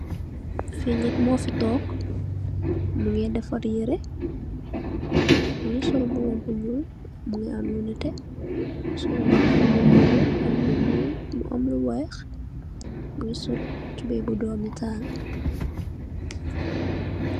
Fi nit mu fi toog, mungè defar yiré, mungi sol mbuba bu ñuul mungi am lu nètè, sol mbahana bu bulo am lu ñuul mu am lu weeh, mungi sol tubeye bu doomital.